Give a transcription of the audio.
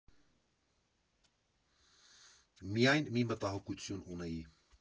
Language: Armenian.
Միայն մի մտահոգություն ունեի.